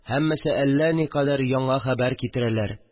Һәммәсе әллә никадәр яңа хәбәр китерәләр